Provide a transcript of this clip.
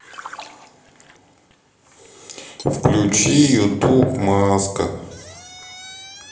включи ютуб маска